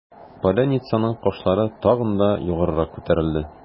Поляницаның кашлары тагы да югарырак күтәрелде.